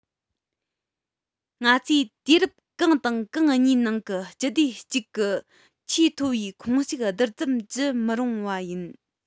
ང ཚོས དུས རབས གང དང གང གཉིས ནང གི སྤྱི སྡེ གཅིག གི ཆེས མཐོའི ཁོངས ཞུགས བསྡུར ཙམ བགྱི མི རུང བ ཡིན